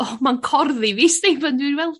o ma'n corddi fi sti pan dwi weld